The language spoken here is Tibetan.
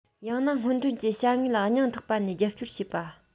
ཡང ན སྔོན ཐོན གྱི བྱ དངོས ལ སྙིང ཐག པ ནས རྒྱབ སྐྱོར བྱེད པ